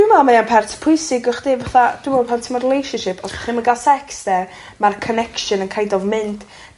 Dwi'n me'wl mae o'n part pwysig wsti fatha dwi me'wl pan ti mewn relationship os chi'm yn ga'l secs 'de ma'r connection yn kind of mynd.